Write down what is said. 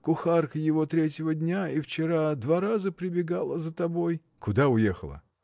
Кухарка его третьего дня и вчера два раза прибегала за тобой. — Куда уехала?